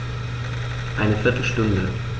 Eine viertel Stunde